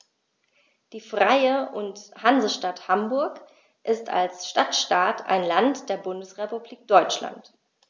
Die Freie und Hansestadt Hamburg ist als Stadtstaat ein Land der Bundesrepublik Deutschland.